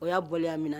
O y'a bɔlen a minɛ